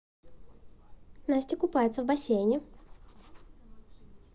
настя купается в бассейне